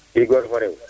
i goor fo rew